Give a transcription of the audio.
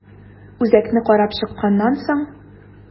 Үзәкне карап чыкканнан соң.